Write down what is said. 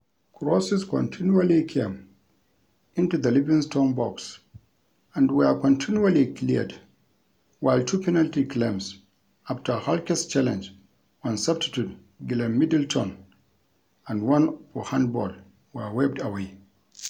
Crosses continually came into the Livingston box and were continually cleared, while two penalty claims - after Halkett's challenge on substitute Glenn Middleton, and one for handball - were waved away.